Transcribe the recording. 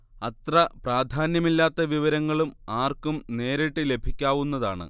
അത്ര പ്രാധാന്യമില്ലാത്ത വിവരങ്ങളും ആർക്കും നേരിട്ട് ലഭിക്കാവുന്നതാണ്